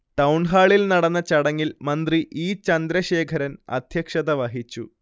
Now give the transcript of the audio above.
ടൗൺഹാളിൽ നടന്ന ചടങ്ങിൽ മന്ത്രി ഇ. ചന്ദ്രശേഖരൻ അധ്യക്ഷതവഹിച്ചു